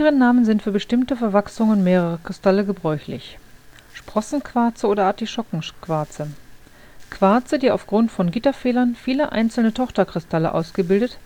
Namen sind für bestimmte Verwachsungen mehrerer Kristalle gebräuchlich: Sprossenquarze oder Artischockenquarze: Quarze, die aufgrund von Gitterfehlern viele einzelne Tochterkristalle ausgebildet